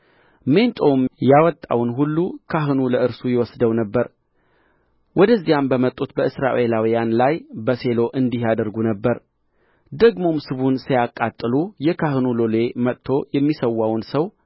ሜንጦውም ያወጣውን ሁሉ ካህኑ ለእርሱ ይወስደው ነበር ወደዚያም በመጡት በእስራኤላውያን ላይ በሴሎ እንዲህ ያደርጉ ነበር ደግሞም ስቡን ሳያቃጥሉ የካህኑ ሎሌ መጥቶ የሚሠዋውን ሰው